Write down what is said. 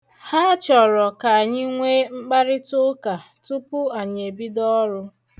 Ha chọrọ ka anyị nwee mkparịtụụka tupu anyị ebido ọrụ.